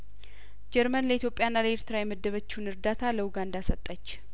ጀርመን ለኢትዮጵያና ለኤርትራ የመደበችውን እርዳታ ለኡጋንዳ ሰጠች